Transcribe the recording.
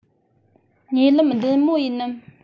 ཉེ ལམ བདེ མོ ཡིན ནམ